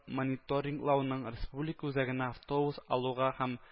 Мониторинглауның республика үзәгенә автобус алуга һәм